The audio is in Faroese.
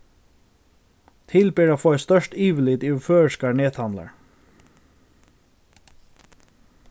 til ber at fáa eitt stórt yvirlit yvir føroyskar nethandlar